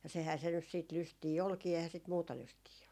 ja sehän se nyt sitten lystiä olikin eihän sitä muuta lystiä ollut